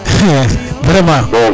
vraiment